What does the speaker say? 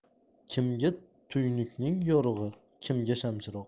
kimga tuynukning yorug'i kimga shamchiroq